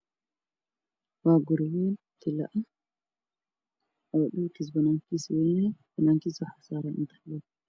Waa guri wayn villa ah oo dhulkiisa banaankisa waynyahay banaankiisa waxaa saaran inertlog